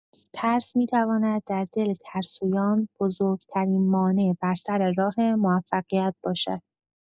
ترس می‌تواند در دل ترسویان، بزرگ‌ترین مانع بر سر راه موفقیت باشد.